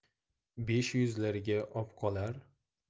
besh yuzlarga obqolar